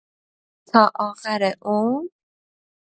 تا آخر عمر؟!